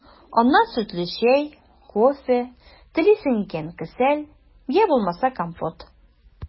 Аннан сөтле чәй, кофе, телисең икән – кесәл, йә булмаса компот.